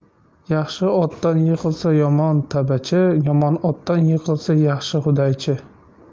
yaxshi otdan yiqilsa yomon tabachi yomon otdan yiqilsa yaxshi hudaychi